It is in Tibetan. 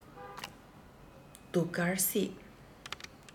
གདུགས དཀར སྐྱིད